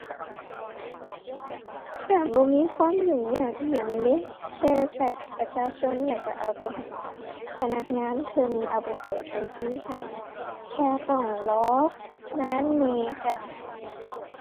ก็บ่มีความยุ่งยากอิหยังเดะ แค่ก็บัตรประชาชน แล้วก็เอาไปให้พนักงานเพิ่นเอาไปเปิดบัญชีให้ แค่ต้องรอนานแหน่จ้า